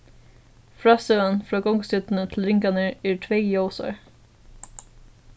frástøðan frá gongustjørnuni til ringarnar er tvey ljósár